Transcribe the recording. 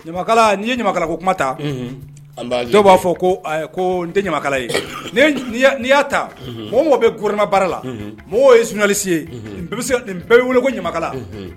Ɲamakala nii ye ɲamakala ko kuma ta dɔ b'a fɔ ko nin tɛ ɲamakala ye n'i y'a ta mɔgɔ bɛ gma baara la mɔgɔ ye sunjatalisi ye nin bɛɛ weele ko ɲamakala